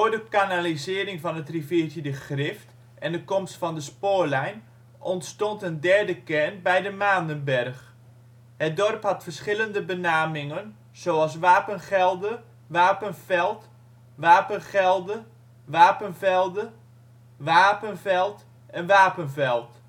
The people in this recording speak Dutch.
de kanalisering van het riviertje de Grift en de komst van de spoorlijn ontstond een derde kern bij de Manenberg. Het dorp had verschillende benamingen, zoals: Wapengelde, Wapenfeld, Wapengelde, Wapenvelde, Waepenvelt en Wapenveld